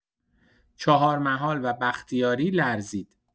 چهارمحال و بختیاری لرزید.